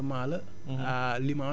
moom amandement la